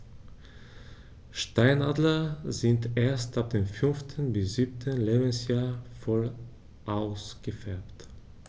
Steinadler sind erst ab dem 5. bis 7. Lebensjahr voll ausgefärbt.